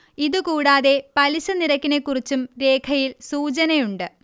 ഇതുകൂടാതെ പലിശ നിരക്കിനെക്കുറിച്ചും രേഖയിൽ സൂചനയുണ്ട്